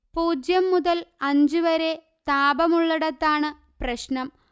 പൂജ്യം മുതൽ അഞ്ച് വരെ താപമുള്ളിടത്താണ് പ്രശ്നം